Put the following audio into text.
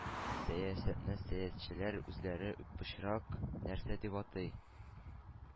Сәясәтне сәясәтчеләр үзләре үк пычрак нәрсә дип атый.